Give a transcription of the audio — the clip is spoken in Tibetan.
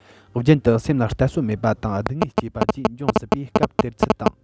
རྒྱུན དུ སེམས ལ གཏད སོ མེད པ དང སྡུག བསྔལ སྐྱེས པ བཅས འབྱུང སྲིད པས སྐབས དེར ཚུལ དང